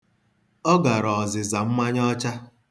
Ọ gara ọzịza mmanya ọcha.